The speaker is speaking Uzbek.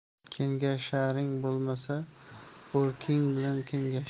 kengasharing bo'lmasa bo'rking bilan kengash